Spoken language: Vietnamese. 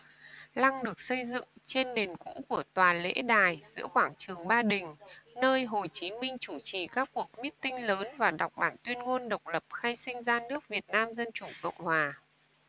lăng được xây dựng trên nền cũ của tòa lễ đài giữa quảng trường ba đình nơi hồ chí minh chủ trì các cuộc mít tinh lớn và đọc bản tuyên ngôn độc lập khai sinh ra nước việt nam dân chủ cộng hòa